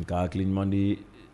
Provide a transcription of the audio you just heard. Nka' hakili ɲumandi